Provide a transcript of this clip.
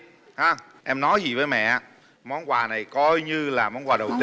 ha em nói gì với mẹ món quà này coi như là món quà đầu tiên